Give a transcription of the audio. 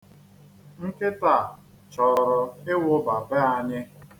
Nkịta a chọrọ ịwụba be anyị.